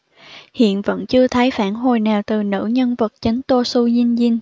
hiện vẫn chưa thấy phản hồi nào từ nữ nhân vật chính tô su zin zin